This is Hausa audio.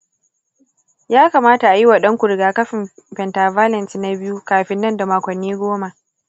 ya kamata a yi wa ɗanku rigakafin pentavalent na biyu kafin nan da makonni goma.